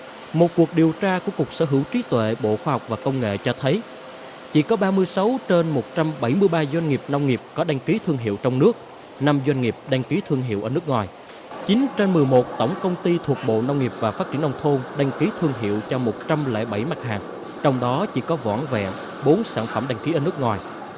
một cuộc điều tra của cục sở hữu trí tuệ bộ khoa học và công nghệ cho thấy chỉ có ba mươi sáu trên một trăm bảy mươi ba doanh nghiệp nông nghiệp có đăng ký thương hiệu trong nước năm doanh nghiệp đăng ký thương hiệu ở nước ngoài chín trên mười một tổng công ty thuộc bộ nông nghiệp và phát triển nông thôn đăng ký thương hiệu cho một trăm lẻ bảy mặt hàng trong đó chỉ có vỏn vẹn bốn sản phẩm đăng ký ở nước ngoài